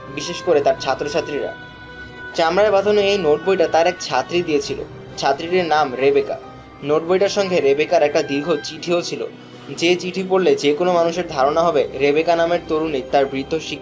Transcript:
বিশেষ করে তার ছাত্র-ছাত্রীরা চামড়ায় বাঁধানাে এই নােট বইটা তাঁর এক ছাত্রী দিয়েছিল ছাত্রীটির নাম রেবেকা নােট বইটার সঙ্গে রেবেকার একটা দীর্ঘ চিঠিও ছিল যে চিঠি পড়লে যে-কোনাে মানুষের ধারণা হবে রেবেকা নামের তরুণী তার বৃদ্ধ